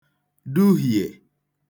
duhiè